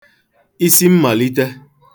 isimmàlite